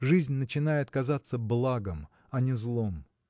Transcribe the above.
жизнь начинает казаться благом, а не злом.